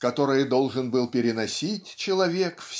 которое должен был переносить человек